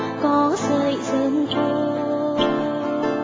có sợi rơm khô